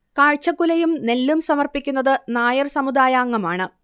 കാഴ്ചക്കുലയും നെല്ലും സമർപ്പിക്കുന്നത് നായർ സമുദായാംഗമാണ്